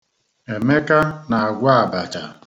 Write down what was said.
Emeka na-agwọ abacha.